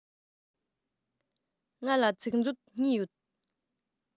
ང ལ ཚིག མཛོད གཉིས ཡོད